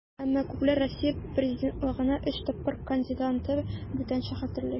Әмма күпләр Россия президентлыгына өч тапкыр кандидатны бүтәнчә хәтерли.